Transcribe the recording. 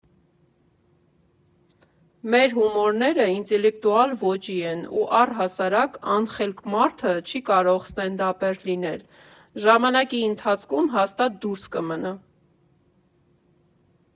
Մեր հումորներն ինտելեկտուալ ոճի են ու առհասարակ անխելք մարդը չի կարող ստենդափեր լինել, ժամանակի ընթացքում հաստատ դուրս կմնա։